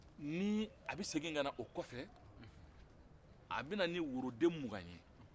ni a bɛ segin ka na o kɔfɛ a bɛ na ni woroden mugan ye